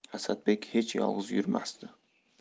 asadbek hech yolg'iz yurmasdi